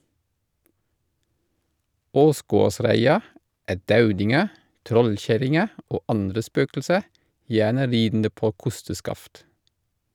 Åsgårdsreia er daudinger, trollkjerringer, og andre spøkelser, gjerne ridende på kosteskaft.